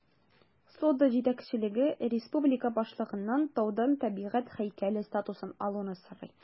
Сода җитәкчелеге республика башлыгыннан таудан табигать һәйкәле статусын алуны сорый.